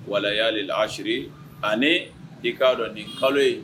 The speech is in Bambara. Wala'ale la aseri ani i k'a dɔn nin kalo ye